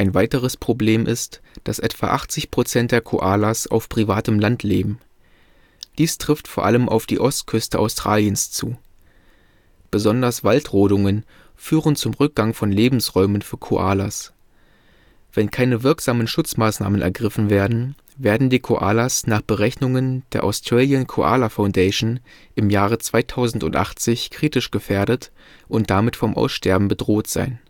weiteres Problem ist, dass etwa 80 % der Koalas auf privatem Land leben. Dies trifft vor allem auf die Ostküste Australiens zu. Besonders Waldrodungen führen zum Rückgang von Lebensräumen für Koalas. Wenn keine wirksamen Schutzmaßnahmen ergriffen werden, werden die Koalas nach Berechnungen der „ Australian Koala Foundation “im Jahre 2080 kritisch gefährdet und damit vom Aussterben bedroht sein